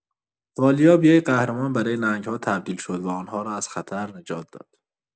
والیا به یک قهرمان برای نهنگ‌ها تبدیل شد و آنها را از خطر نجات داد.